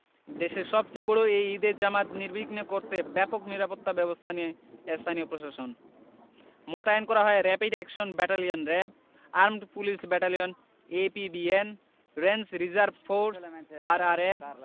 দেশের সবচেয়ে বড় এই ঈদের জামাত নির্বিঘ্ন করতে ব্যাপক নিরাপত্তাব্যবস্থা নেয় স্থানীয় প্রশাসন মোতায়েন করা হয় rapid action battalion RAB armed police battalion APBN range reserve force RRF